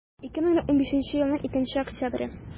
2015 елның 2 октябре